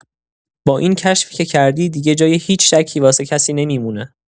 با این کشفی که کردی، دیگه جای هیچ شکی واسه کسی نمی‌مونه.